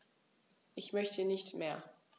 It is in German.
Ich möchte nicht mehr.